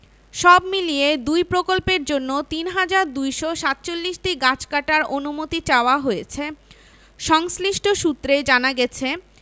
সবমিলিয়ে দুই প্রকল্পের জন্য ৩হাজার ২৪৭টি গাছ কাটার অনুমতি চাওয়া হয়েছে সংশ্লিষ্ট সূত্রে জানা গেছে